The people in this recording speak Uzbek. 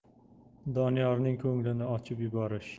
doniyorning ko'nglini ochib yuborish